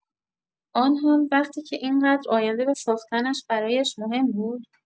آن هم وقتی که این‌قدر آینده و ساختنش برایش مهم بود؟